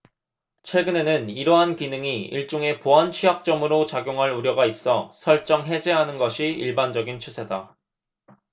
최근에는 이러한 기능이 일종의 보안취약점으로 작용할 우려가 있어 설정해제하는 것이 일반적인 추세다